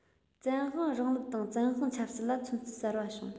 བཙན དབང རིང ལུགས དང བཙན དབང ཆབ སྲིད ལ མཚོན ཚུལ གསར པ བྱུང